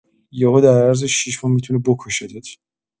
یهو در عرض ۶ ماه می‌تونه بکشتت.